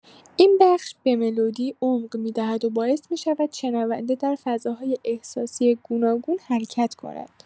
این بخش به ملودی عمق می‌دهد و باعث می‌شود شنونده در فضاهای احساسی گوناگون حرکت کند.